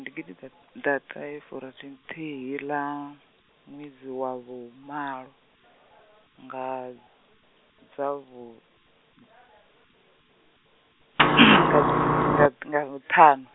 ndi gidiḓaṱahefurathinthihi ḽa, ṅwedzi wa vhu malo , nga dza vhu , nga nga nga ṱhanu.